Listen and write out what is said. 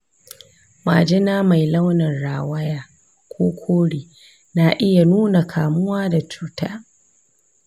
majina mai launin rawaya ko kore na iya nuna kamuwa da cuta.